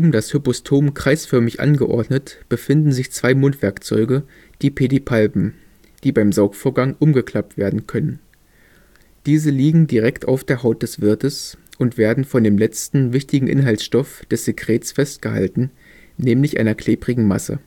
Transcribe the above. das Hypostom kreisförmig angeordnet befinden sich zwei Mundwerkzeuge, die Pedipalpen, die beim Saugvorgang umgeklappt werden können. Diese liegen direkt auf der Haut des Wirtes und werden von dem letzten wichtigen Inhaltsstoff des Sekretes festgehalten, nämlich einer klebrigen Masse